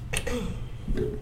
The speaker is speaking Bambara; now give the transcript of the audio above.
A